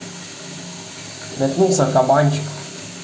метнулся кабанчиком